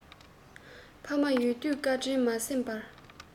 ཕ མ ཡོད དུས བཀའ དྲིན མ བསམས པར